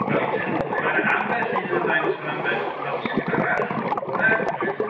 ..am eu tarddiad... Mae 'na ambell un yn ymddangos mewn ambell lawysgrif arall, ynde... Reit.